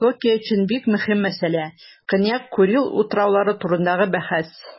Токио өчен бик мөһим мәсьәлә - Көньяк Курил утраулары турындагы бәхәс.